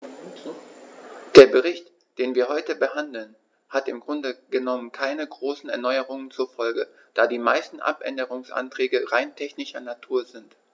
Der Bericht, den wir heute behandeln, hat im Grunde genommen keine großen Erneuerungen zur Folge, da die meisten Abänderungsanträge rein technischer Natur sind.